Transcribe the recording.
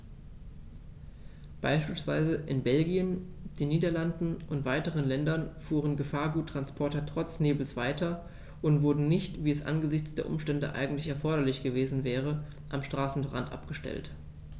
Beispielsweise in Belgien, den Niederlanden und weiteren Ländern fuhren Gefahrguttransporter trotz Nebels weiter und wurden nicht, wie es angesichts der Umstände eigentlich erforderlich gewesen wäre, am Straßenrand abgestellt.